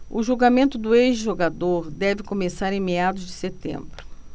o julgamento do ex-jogador deve começar em meados de setembro